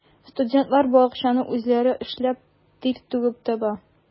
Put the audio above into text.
Студентлар бу акчаны үзләре эшләп, тир түгеп таба.